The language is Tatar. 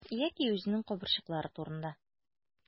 Яки үзенең кабырчрыклары турында.